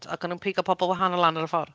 Ac o'n nhw'n pigo pobl wahanol lan ar y ffor'.